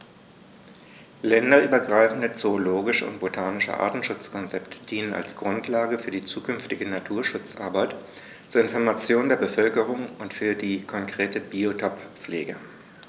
Länderübergreifende zoologische und botanische Artenschutzkonzepte dienen als Grundlage für die zukünftige Naturschutzarbeit, zur Information der Bevölkerung und für die konkrete Biotoppflege.